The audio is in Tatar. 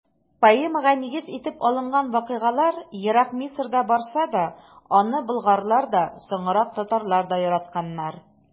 Поэмага нигез итеп алынган вакыйгалар ерак Мисырда барса да, аны болгарлар да, соңрак татарлар да яратканнар.